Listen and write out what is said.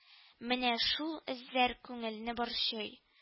Менә шул эзләр күңелне борчый